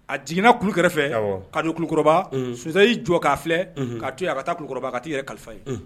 A jigininɛna kulu kɛrɛfɛ ka donba sunjatasan y'i jɔ k'a filɛ ka to a ka taakɔrɔbaba ka' i yɛrɛ kalifa ye